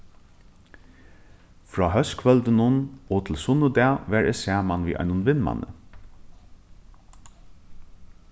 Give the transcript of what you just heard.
frá hóskvøldinum og til sunnudag var eg saman við einum vinmanni